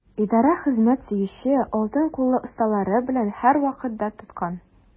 Идарә хезмәт сөюче, алтын куллы осталары белән һәрвакыт дан тоткан.